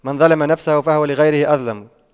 من ظَلَمَ نفسه فهو لغيره أظلم